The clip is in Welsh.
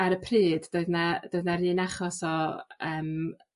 ar y pryd doedd 'na doedd 'na'r un achos o yym